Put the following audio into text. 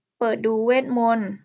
เปิดดูเวทมนต์